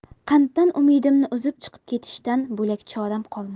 qanddan umidimni uzib chiqib ketishdan bo'lak choram qolmadi